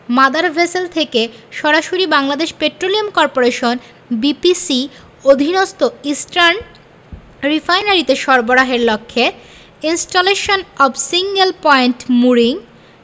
mother vessel থেকে সরাসরি Bangladesh petroleum করপোরেশনের বিপিসি অধীনস্থ ইস্টার্ন রিফাইনারিতে সরবরাহের লক্ষ্যে installation of single point mooring